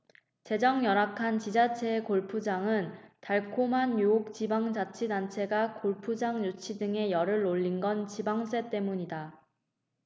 재정 열악한 지자체에 골프장은 달콤한 유혹지방자치단체가 골프장 유치 등에 열을 올린 건 지방세 때문이다